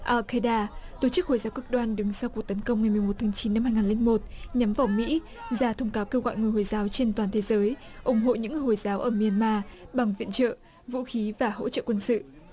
a ke đa tổ chức hồi giáo cực đoan đứng sau cuộc tấn công ngày mùng một tháng chín năm hai ngàn linh một nhắm vào mỹ ra thông cáo kêu gọi người hồi giáo trên toàn thế giới ủng hộ những người hồi giáo ở mi an ma bằng viện trợ vũ khí và hỗ trợ quân sự